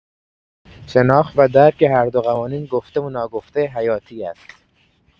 شناخت و درک هر دو قوانین گفته و ناگفته حیاتی است.